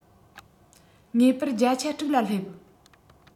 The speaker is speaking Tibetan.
ངེས པར རྒྱ ཆ དྲུག ལ སླེབས